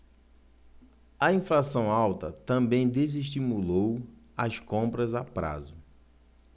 a inflação alta também desestimulou as compras a prazo